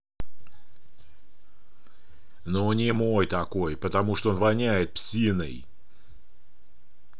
ну не мой такой потому что он воняет псиной